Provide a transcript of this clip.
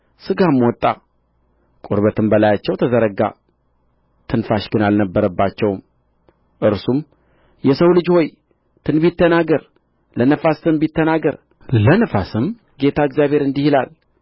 ሥጋም ወጣ ቁርበትም በላያቸው ተዘረጋ ትንፋሽ ግን አልነበረባቸውም እርሱም የሰው ልጅ ሆይ ትንቢት ተናገር ለነፋስ ትንቢት ተናገር ለነፋስም ጌታ እግዚአብሔር እንዲህ ይላል